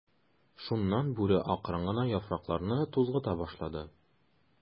Шуннан Бүре акрын гына яфракларны тузгыта башлады.